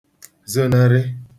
zonarị